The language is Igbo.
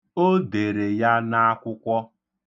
O dere ya n'akwụkwọ.